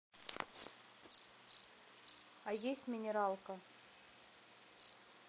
а есть минералка